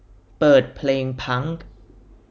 เปิดเพลงพังค์